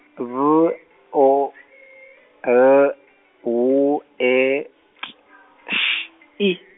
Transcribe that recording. B, O, L, W E, T Š I.